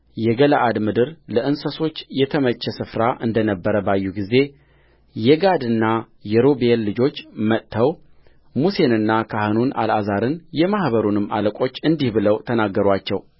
የገለዓድ ምድር ለእንስሶች የተመቸ ስፍራ እንደ ነበረ ባዩ ጊዜየጋድና የሮቤል ልጆች መጥተው ሙሴንና ካህኑን አልዓዛርን የማኅበሩንም አለቆች እንዲህ ብለው ተናገሩአቸው